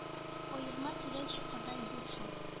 Аерма тирән чокырдай зур шул